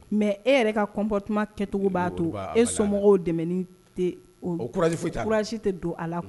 Mɛ e yɛrɛ ka kɔnptumakɛcogo b'a to e somɔgɔw dɛmɛ tɛsi tɛ don ala